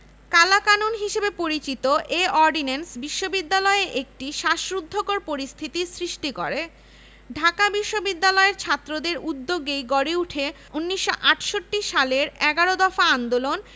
কালাকানুন হিসেবে চিহ্নিত এ অর্ডিন্যান্স বিশ্ববিদ্যালয়ে একটি শ্বাসরুদ্ধকর পরিস্থিতির সৃষ্টি করে ঢাকা বিশ্ববিদ্যালয়ের ছাত্রদের উদ্যোগেই গড়ে উঠে ১৯৬৮ সালের এগারো দফা আন্দোলন